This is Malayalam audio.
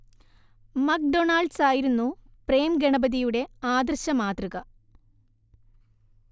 മക്ഡൊണാൾഡ്സ് ആയിരുന്നു പ്രേം ഗണപതിയുടെ ആദർശ മാതൃക